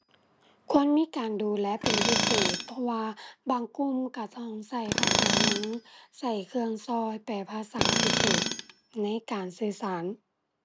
ควรมีการดูแลเป็นพิเศษ เพราะว่าบางกลุ่มก็ต้องก็ภาษามือ ก็เครื่องก็แปลภาษาพิเศษในการสื่อสาร